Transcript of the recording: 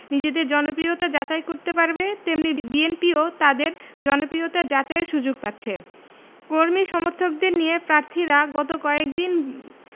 নিজেদের জনপ্রিয়তা যাচাই করতে পারবে তেমনি বিএনপিও তাদের জনপ্রিয়তা যাচাইয়ের সুযোগ পাচ্ছে কর্মী সমর্থকদের নিয়ে প্রার্থীরা গত কয়েক দিন